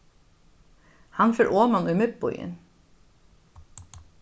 hann fer oman í miðbýin